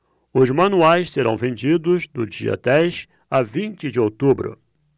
os manuais serão vendidos do dia dez a vinte de outubro